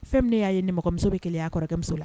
Fɛn min y'a ye nimɔgɔmuso bɛ kelen y'a kɔrɔkɛmuso la